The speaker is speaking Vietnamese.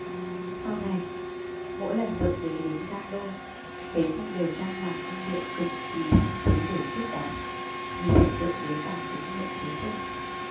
sau này mỗi lần dượng đế đến giang đô thế sung đều trang hoàng cung điện cực kỳ phung phí để tiếp đón vì vậy dượng đế càng tín nhiệm thế sung